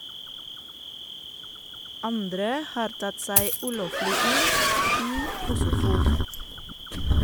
Andre har tatt seg ulovlig inn i Kosovo.